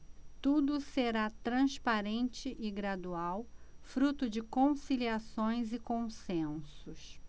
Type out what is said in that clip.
tudo será transparente e gradual fruto de conciliações e consensos